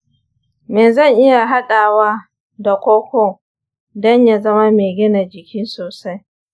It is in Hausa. me zan iya haɗawa da koko don ya zama mai gina jiki sosai?